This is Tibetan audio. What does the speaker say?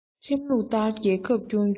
ཁྲིམས ལུགས ལྟར རྒྱལ ཁབ སྐྱོང རྒྱུ